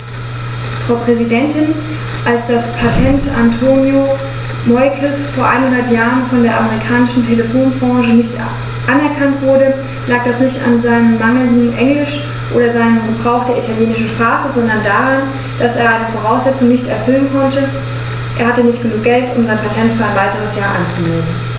Frau Präsidentin, als das Patent Antonio Meuccis vor einhundert Jahren von der amerikanischen Telefonbranche nicht anerkannt wurde, lag das nicht an seinem mangelnden Englisch oder seinem Gebrauch der italienischen Sprache, sondern daran, dass er eine Voraussetzung nicht erfüllen konnte: Er hatte nicht genug Geld, um sein Patent für ein weiteres Jahr anzumelden.